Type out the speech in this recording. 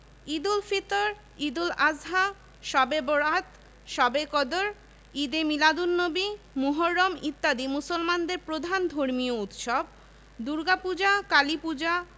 ১৯২০ সালে ভারতীয় বিধানসভায় গৃহীত ঢাকা বিশ্ববিদ্যালয় আইনবলে ১৯২১ সালের ১ জুলাই আবাসিক বিশ্ববিদ্যালয় হিসেবে ঢাকা বিশ্ববিদ্যালয়ের কার্যক্রম শুরু হয়